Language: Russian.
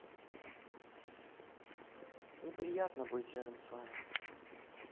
неприятно быть рядом с вами